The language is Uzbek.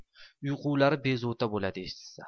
uyqulari bezovta bo'ladi eshitishsa